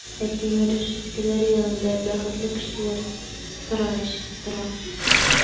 Ә тимер рәшәткәләр янында бәхетле кешеләр сыра эчеп тора!